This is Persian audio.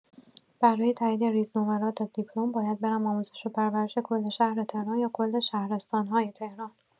برای تایید ریزنمرات دیپلم، باید برم آموزش پرورش کل شهر تهران یا کل شهرستان‌های تهران؟